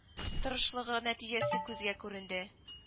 Тырышлыгының нәтиҗәсе күзгә күренде